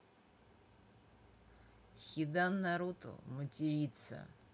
хидан в наруто материться